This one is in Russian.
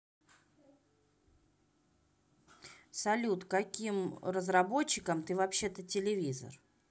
салют каким разработчиком ты вообще то телевизор